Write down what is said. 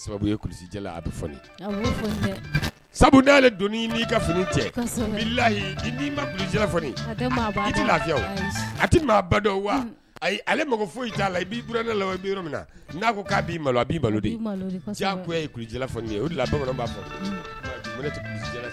A bɛ sabu fini cɛlahii ma tɛ lafi a tɛ maa badɔ wa ayi ale mako foyi t'a la i b'i g ne la i yɔrɔ min na n'a ko k'a' malo a b'i balo ye kuluja ye o bamanan'a